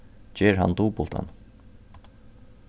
ger hann dupultan